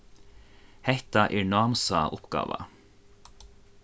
hetta er námsa uppgáva